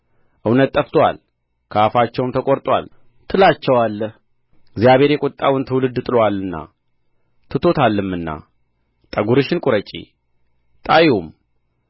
እውነት ጠፍቶአል ከአፋቸውም ተቈርጦአል ትላቸዋለህ እግዚአብሔር የቍጣውን ትውልድ ጥሎአልና ትቶታልምና ጠጕርሽን ቍረጪ ጣዪውም